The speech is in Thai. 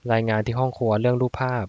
รายงานที่ห้องครัวเรื่องรูปภาพ